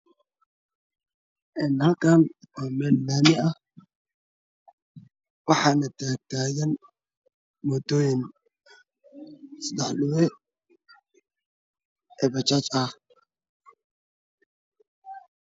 Halkaan waa waxaana baadi ah taagan motooyin sadax lugood oo bajaaj ah